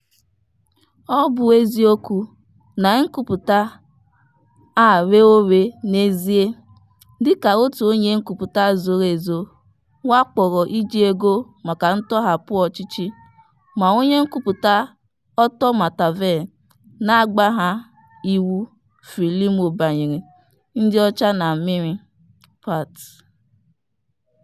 Ọ bụ eziokwu na nkwupụta a ghe oghe n'ezie, dịka otu onye nkwupụta zoro ezo wakporo iji ego maka ntọhapụ ọchịchị, ma onye nkwupụta Artur Matavele na-agbagha iwu Frelimo banyere ịdị ọcha na mmiri [pt]